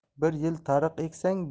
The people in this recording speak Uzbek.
bir yil tariq eksang